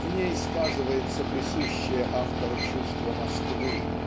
В ней сказывается присущее автору чувство Москвы